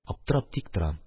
Аптырап тик торам.